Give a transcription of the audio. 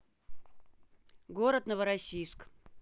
город новороссийск